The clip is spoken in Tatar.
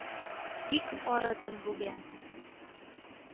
“бик арыдым бүген.